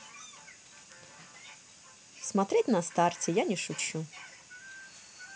смотреть на старте я не шучу